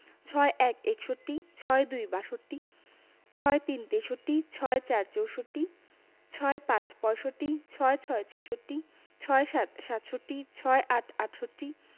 ৬১ – একষট্টি ৬২ – বাষট্টি ৬৩ – তেষট্টি ৬৪ – চৌষট্টি ৬৫ – পয়ষট্টি ৬৬ – ছেষট্টি ৬৭ – সাতষট্টি ৬৮ – আটষট্টি